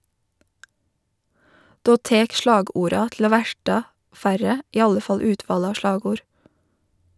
Då tek slagorda til å verta færre - i alle fall utvalet av slagord.